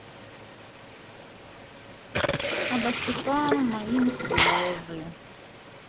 обо щекам моим слезы